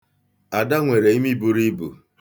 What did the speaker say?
Ada nwere imi buru ibu.